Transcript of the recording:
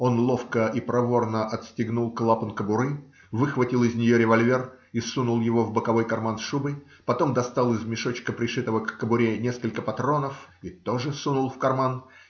Он ловко и проворно отстегнул клапан кобуры, выхватил из нее револьвер и сунул его в боковой карман шубы, потом достал из мешочка, пришитого к кобуре, несколько патронов и тоже сунул в карман.